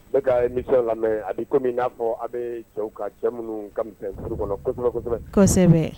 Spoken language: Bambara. Bɛ ka misi lamɛn a bɛ kɔmi min n'a fɔ a bɛ cɛw ka cɛ minnu kauru kɔnɔ kosɛbɛ kosɛbɛ kosɛbɛ